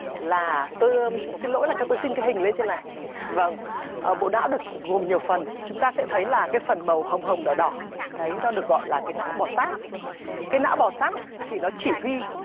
là tôi xin lỗi cho tôi xin cái hình lên trên này vâng bộ não được gồm nhiều phần chúng ta sẽ thấy là cái phần màu hồng hồng đỏ đỏ đấy nó được gọi là cái não bò sát cái não bò sát thì nó chỉ huy